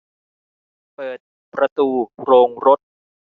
เปิดประตูโรงรถ